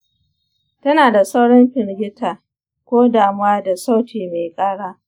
tana da saurin firgita ko damuwa da sauti mai ƙara